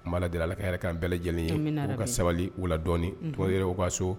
N'a ladra a ka hɛrɛ ka an bɛɛ lajɛlen ye uu ka sabali wula dɔɔni tɔɔrɔ yɛrɛ u ka so